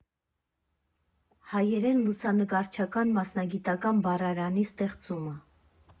Հայերեն լուսանկարչական մասնագիտական բառարանի ստեղծումը։